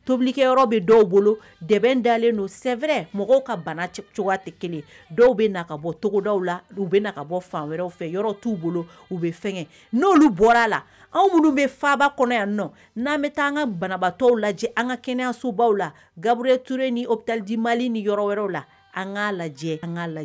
Tobilikɛ bɛ dɔw bolo dɛ dalenlen don sɛɛrɛ mɔgɔw ka bana tɛ kelen dɔw bɛ ka bɔ togodaw la u bɛ ka bɔ fan wɛrɛw fɛ yɔrɔ t' u bolo u bɛ fɛn n'olu bɔra a la anw minnu bɛ faaba kɔnɔ yan nɔ n'an bɛ taa an ka banabagatɔ lajɛ an ka kɛnɛyasobaw la gabiriretoure ni ubitalidi mali ni yɔrɔ wɛrɛ la an ka lajɛ an ka lajɛ